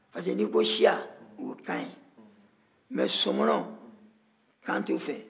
ba wo n'i ko siya o ye kan ye nka sɔmɔnɔ kan t'o fɛ